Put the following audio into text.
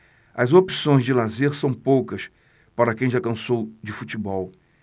as opções de lazer são poucas para quem já cansou de futebol